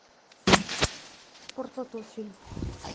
спорт лото фильм